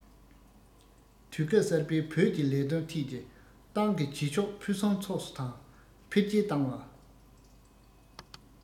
དུས སྐབས གསར པའི བོད ཀྱི ལས དོན ཐད ཀྱི ཏང གི བྱེད ཕྱོགས ཕུན སུམ ཚོགས སུ དང འཕེལ རྒྱས བཏང བ